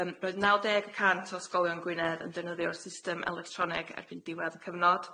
Yym roedd naw deg y cant o ysgolion Gwynedd yn defnyddio'r system electroneg erbyn diwedd y cyfnod.